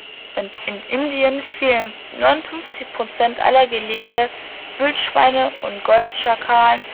und in Indien fielen 59 Prozent aller Gelege Wildschweinen und Goldschakalen